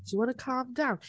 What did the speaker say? Do you want to calm down?